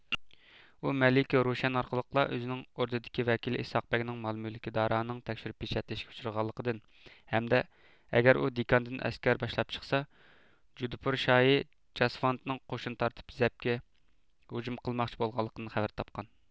ئۇ مەلىكە روشەن ئارقىلىقلا ئۆزىنىڭ ئوردىدىكى ۋەكىلى ئىسھاقبەگنىڭ مال مۈلكى دارانىڭ تەكشۈرۈپ پېچەتلىشىگە ئۇچرىغانلىقىدىن ھەمدە ئەگەر ئۇ دېككاندىن ئەسكەر باشلاپ چىقسا جودپۇر شاھى جاسۋانتنىڭ قوشۇن تارتىپ زەپكە ھۇجۇم قىلماقچى بولغانلىقىدىن خەۋەر تاپقان